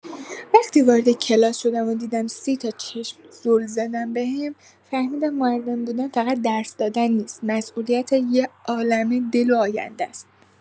وقتی وارد کلاس شدم و دیدم سی‌تا چشم زل زدن بهم، فهمیدم معلم بودن فقط درس‌دادن نیست، مسئولیت یه عالمه دل و آینده‌ست.